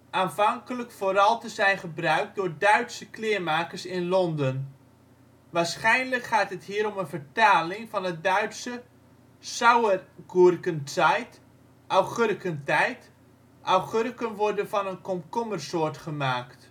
aanvankelijk vooral te zijn gebruikt door Duitse kleermakers in Londen. Waarschijnlijk gaat het hier om een vertaling van het Duitse Sauregurkenzeit (' augurkentijd’, augurken worden van een komkommersoort gemaakt